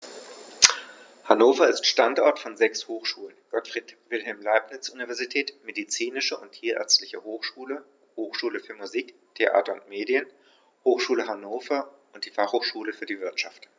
Hannover ist Standort von sechs Hochschulen: Gottfried Wilhelm Leibniz Universität, Medizinische und Tierärztliche Hochschule, Hochschule für Musik, Theater und Medien, Hochschule Hannover und die Fachhochschule für die Wirtschaft.